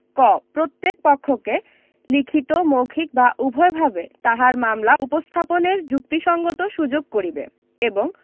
ক প্রত্যেক পক্ষকে লিখিত মৌখিক বা উভয়ভাবে তাহার মামলা উপস্থাপনের যুক্তিসংগত সুযোগ করিবে এবং